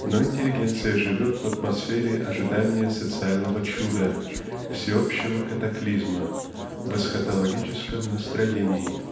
но интеллигенция живет в атмосфере ожидания социального чуда всеобщего катаклизма в эсхатологическом настроении .